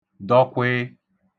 dọkwịị